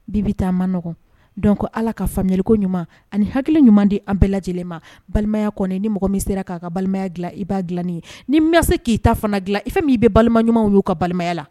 Bibita a ma nɔngɔn donc Ala ka faamuyaliko ɲuman ani hakili ɲuman di an bɛɛ lajɛlen ma, balimaya kɔni ni mɔgɔ min sera k'a ka balimaya dilan i b'a dilan nin ye, ni ma se k'i ta fana dilan, fo min i bɛ balima ɲumanw y'u ka balimaya la